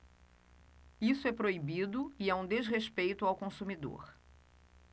isso é proibido e é um desrespeito ao consumidor